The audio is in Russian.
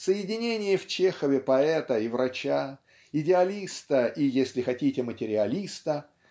соединение в Чехове поэта и врача идеалиста и если хотите материалиста